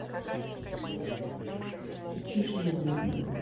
чиж о любви